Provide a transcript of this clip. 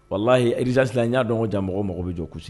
Walahi urgence n y'a dɔn ko ja mɔgɔ mago bɛ jɔ kusi